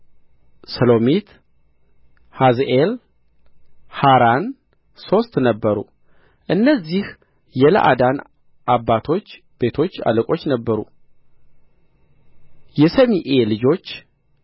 ሰሎሚት ሐዝኤል ሐራን ሦስት ነበሩ እነዚህ የለአዳን አባቶች ቤቶች አለቆች ነበሩ የሰሜኢ ልጆች